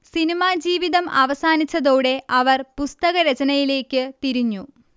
cinema ജീവിതം അവസാനിച്ചതോടെ അവർ പുസ്തക രചനയിലേക്ക് തിരിഞ്ഞു